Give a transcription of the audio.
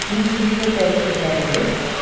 Иң көчле тәэсирләрегез?